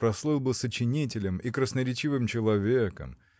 прослыл бы сочинителем и красноречивым человеком